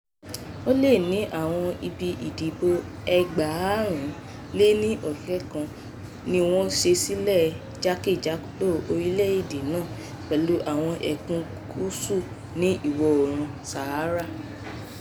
Ó lé ní àwọn ibi ìdìbò 30,000 ni wọ́n ṣí sílẹ̀ jákèjádò orílẹ̀-èdè náà pẹ̀lú àwọn ẹkùn gúúsù ní Ìwọ̀-oòrùn Sahara.